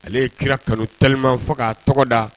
Ale ye kira kalo talilima fɔ k'a tɔgɔ da